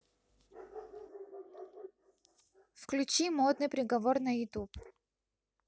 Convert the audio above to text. включи модный приговор на ютуб